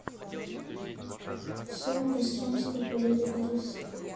все о костромской породе крыс